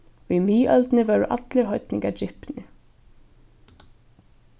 í miðøldini vórðu allir heidningar dripnir